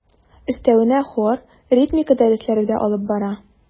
Өстәвенә хор, ритмика дәресләре дә алып бара.